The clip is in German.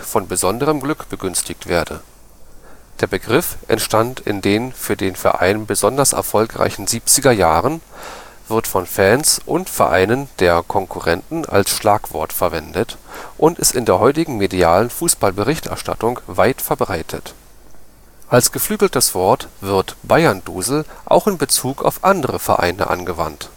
besonderem Glück begünstigt werde. Der Begriff entstand in den für den Verein besonders erfolgreichen 1970er-Jahren, wird von Fans und Vereinen der Konkurrenten als Schlagwort verwendet und ist in der heutigen medialen Fußball-Berichterstattung weit verbreitet. Als Geflügeltes Wort wird Bayern-Dusel auch in Bezug auf andere Vereine angewandt